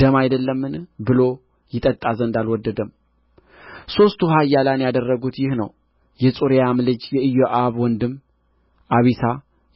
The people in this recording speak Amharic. ደም አይደለምን ብሎ ይጠጣ ዘንድ አልወደደም ሦስቱ ኃያላን ያደረጉት ይህ ነው የጽሩያም ልጅ የኢዮአብ ወንድም አቢሳ